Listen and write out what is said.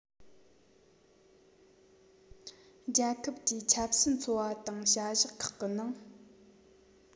རྒྱལ ཁབ ཀྱི ཆབ སྲིད འཚོ བ དང བྱ གཞག ཁག གི ནང